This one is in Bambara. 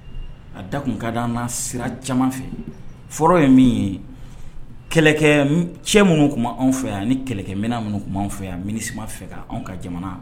A da tun ka di an sira caman fɛ fɔlɔ ye min ye kɛlɛkɛ cɛ minnu tun anw fɛ yan a ni kɛlɛkɛmin minnu tun anw fɛ yan a mini fɛ' anw ka jamana